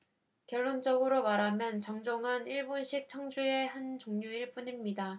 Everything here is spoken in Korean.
결론적으로 말하면 정종은 일본식 청주의 한 종류일 뿐입니다